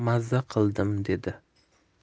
mazza qildim dedi